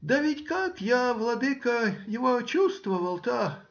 — Да ведь как я, владыко, его чувствовал-то!